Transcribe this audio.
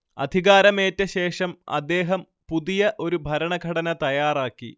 അധികാരമേറ്റശേഷം അദ്ദേഹം പുതിയ ഒരു ഭരണഘടന തയ്യാറാക്കി